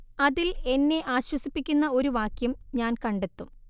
അതിൽ എന്നെ ആശ്വസിപ്പിക്കുന്ന ഒരു വാക്യം ഞാൻ കണ്ടെത്തും